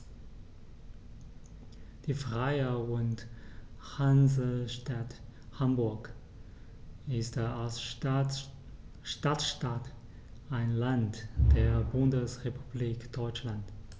Die Freie und Hansestadt Hamburg ist als Stadtstaat ein Land der Bundesrepublik Deutschland.